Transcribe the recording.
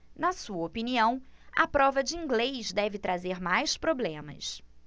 na sua opinião a prova de inglês deve trazer mais problemas